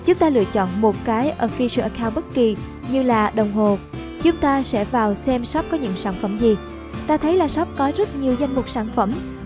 chúng ta lựa chọn cái official account bất kì như đồng hồ chúng ta vào xem shop có những sản phẩm gì ta thấy shop có rất nhiều danh mục sản phẩm